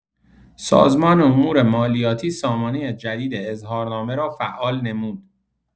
سازمان امورمالیاتی سامانه جدید اظهارنامه را فعال نمود.